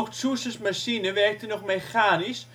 Zuses machine werkte nog mechanisch